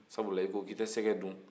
sabula i k'i tɛ sɛgɛ dun